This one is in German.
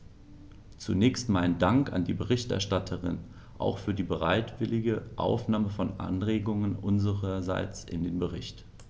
Zunächst meinen Dank an die Berichterstatterin, auch für die bereitwillige Aufnahme von Anregungen unsererseits in den Bericht.